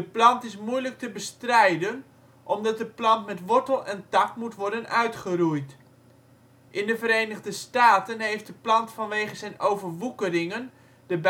plant is moeilijk te bestrijden omdat de plant met wortel en tak moet worden uitgeroeid. In de Verenigde Staten heeft de plant vanwege zijn overwoekeringen de